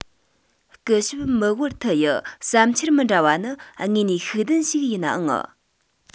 སྐུ ཞབས མི ཝར ཐི ཡི བསམ འཆར མི འདྲ བ ནི དངོས གནས ཤུགས ལྡན ཞིག ཡིན ནའང